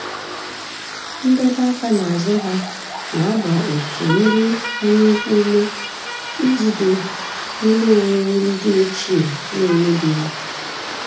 Ndebe aka n'azụ ha na-agba òtù ndị anya ukwu ume ijide ihe onwunwe ndị ochie ma mebie ha.